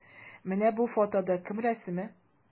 Менә бу фотода кем рәсеме?